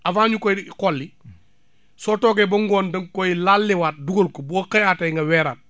avant ñu koy xolli soo toogee ba ngoon da nga koy làlliwaat dugal ko boo xëyaatee nga weeraat